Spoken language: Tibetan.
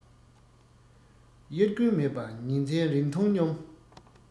དབྱར དགུན མེད པ ཉིན མཚན རིང ཐུང སྙོམས